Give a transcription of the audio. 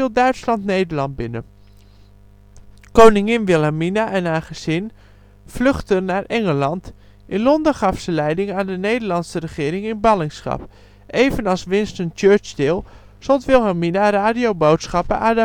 Duitsland Nederland binnen. Koningin Wilhelmina en haar gezin vluchtten naar Engeland. In Londen gaf ze leiding aan de Nederlandse regering in ballingschap. Evenals Winston Churchill zond Wilhelmina radioboodschappen aan